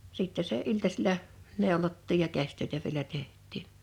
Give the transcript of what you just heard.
sitten se iltasilla neulottiin ja käsitöitä vielä tehtiin